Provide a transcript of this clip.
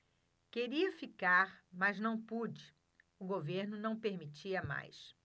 queria ficar mas não pude o governo não permitia mais